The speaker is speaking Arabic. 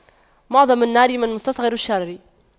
معظم النار من مستصغر الشرر